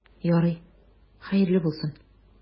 Ярый, хәерле булсын.